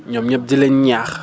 ñoom ñëpp di leen ñaax